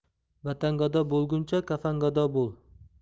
vatangado bo'lguncha kafangado bo'l